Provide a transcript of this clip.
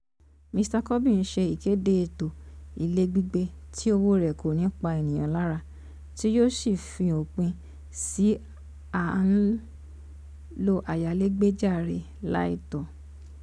Mr Corbyn ṣe ìkéde èto ilé-gbígbé tí owó rẹ̀ kò ní ga ènìyàn lára, tí yóó sì fí òpin sí à ń lé ayálégbé járe láìtọ́.